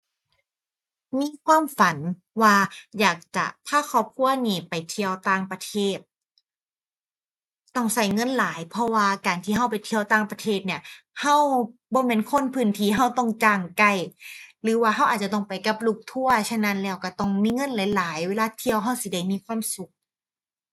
มีความฝันว่าอยากจะพาครอบครัวนี่ไปเที่ยวต่างประเทศ ต้องใช้เงินหลายเพราะว่าการที่ใช้ไปเที่ยวต่างประเทศเนี่ย ใช้บ่แม่นคนพื้นที่ ใช้ต้องจ้างไกด์ หรือว่าใช้อาจจะต้องไปกับลูกทัวร์ ฉะนั้นแล้วใช้ต้องมีเงินหลายหลาย เวลาเที่ยวใช้สิได้มีความสุข